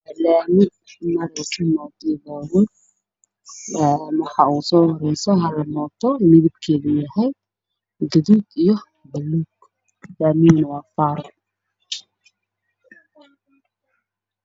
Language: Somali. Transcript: Waa waddo laami ah laba qeyb ah waxaa maraya bajaajyo fara badan oo gaduudeen